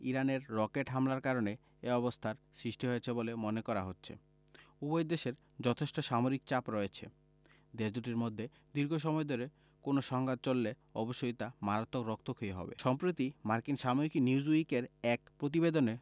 ইরানের রকেট হামলার কারণে এ অবস্থার সৃষ্টি হয়েছে বলে মনে করা হচ্ছে উভয় দেশেই যথেষ্ট সামরিক চাপ রয়েছে দেশ দুটির মধ্যে দীর্ঘ সময় ধরে কোনো সংঘাত চললে অবশ্যই তা মারাত্মক রক্তক্ষয়ী হবে সম্প্রতি মার্কিন সাময়িকী নিউজউইকের এক প্রতিবেদনে